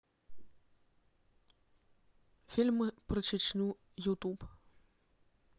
фильмы про чечню ютуб